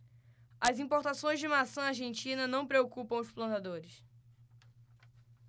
as importações de maçã argentina não preocupam os plantadores